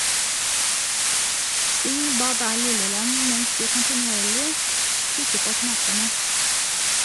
Syng "Bæ bæ lille lam" mens du kontinuerlig trykker på knappene.